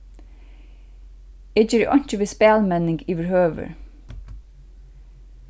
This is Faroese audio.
eg geri einki við spælmenning yvirhøvur